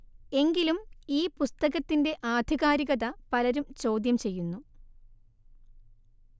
എങ്കിലും ഈ പുസ്തകത്തിന്റെ ആധികാരികത പലരും ചോദ്യം ചെയ്യുന്നു